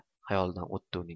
xayolidan o'tdi uning